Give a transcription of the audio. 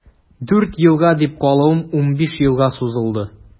Дүрт елга дип калуым унбиш елга сузылды.